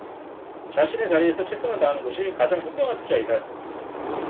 자신의 자리에서 최선을 다하는 것이 가장 현명한 투자이다